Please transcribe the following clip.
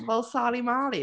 fel Sali Mali?